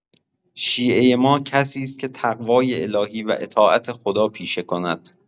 شیعه ما کسی است که تقوای الهی و اطاعت خدا پیشه کند.